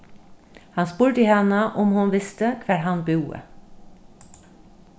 hann spurdi hana um hon visti hvar hann búði